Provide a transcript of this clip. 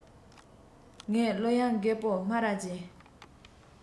ངའི གླུ དབྱངས རྒད པོ སྨ ར ཅན